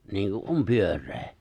niin kuin on pyöreä